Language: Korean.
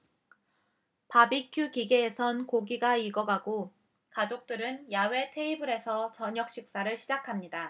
바비큐 기계에선 고기가 익어가고 가족들은 야외 테이블에서 저녁식사를 시작합니다